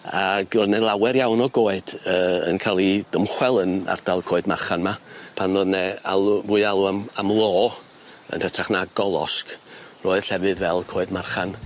Ag o' 'ne lawer iawn o goed yy yn ca'l 'u dymchwel yn ardal Coed Marchan ma' pan o'dd 'ne alw mwy o alw am am lo yn hytrach na golosg roedd llefydd fel Coed Marchan